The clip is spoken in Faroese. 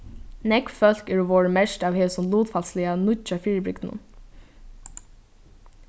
nógv fólk eru vorðin merkt av hesum lutfalsliga nýggja fyribrigdinum